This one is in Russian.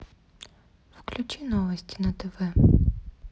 включи новости на тв